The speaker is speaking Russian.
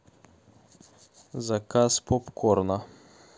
заказ попкорна